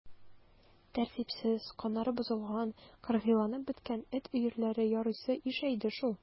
Тәртипсез, каннары бозылган, кыргыйланып беткән эт өерләре ярыйсы ишәйде шул.